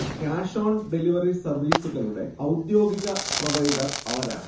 cash on delivery സർവ്വീസുകളുടെ ഔദ്യോഗിക provider അവരാണ്